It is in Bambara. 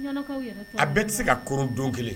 Ɲɔnɔnkaw yɛrɛ a bɛ tI se ka koron don 1